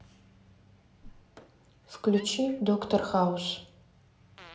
включи доктор хаус